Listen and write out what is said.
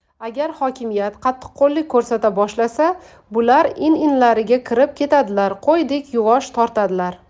agar hokimiyat qattiqqo'llik ko'rsata boshlasa bular in inlariga kirib ketadilar qo'ydek yuvosh tortadilar